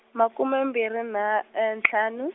makume mbirhi nha- ntlhanu.